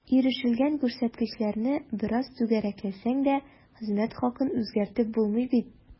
Ирешелгән күрсәткечләрне бераз “түгәрәкләсәң” дә, хезмәт хакын үзгәртеп булмый бит.